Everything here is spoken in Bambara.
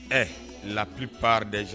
Ɛɛ lapi pa dez